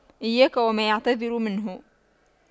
إياك وما يعتذر منه